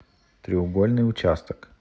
треугольный участок